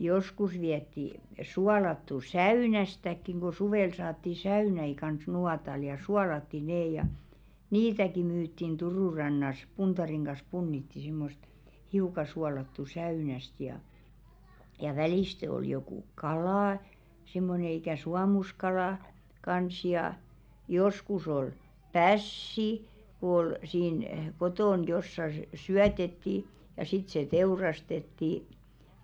joskus vietiin suolattua säynästäkin kun suvella saatiin säynäitä kanssa nuotalla ja suolattiin ne ja niitäkin myytiin Turun rannassa puntarin kanssa punnitsi semmoista hiukan suolattua säynästä ja ja välistä oli joku kala semmoinen ikään suomuskala kanssa ja joskus oli pässi kun oli siinä kotona jossakin - syötettiin ja sitten se teurastettiin